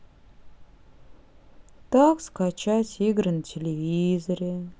так скачать игры на телевизоре